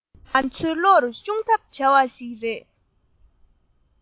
ང ཚོའི བློར ཤོང ཐབས བྲལ བ ཞིག རེད